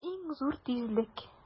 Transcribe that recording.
Иң зур тизлек!